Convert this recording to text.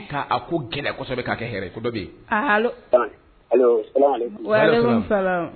Ka a ko gɛlɛya kosɛbɛ k'a kɛ hɛrɛ ye ko dɔ bɛ ye allô salamu aleyikumu wa aleyikumu salaamu